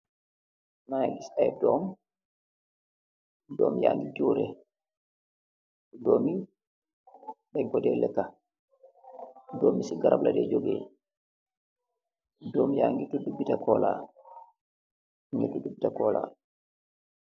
Makeh kess ayy domm , domm yakeh turex , domex denn kox dey leex domm si kahram lamm dey jukeeh , domm yakex tudax bitacola